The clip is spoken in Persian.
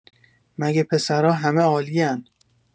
مگه پسرا همه عالین